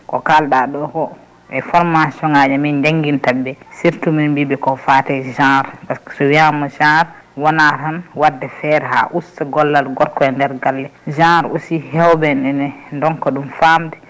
ko kalɗoko e formation aji min jangguintaɓe surtout min mbiɓe ko fate genre par ce que so wiyama genre wona tan wadde feere ha usta gollal gorko e nder galle genre hewɓe ne donka ɗum famde